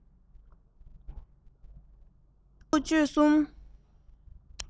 འགྲོ འདུག སྤྱོད གསུམ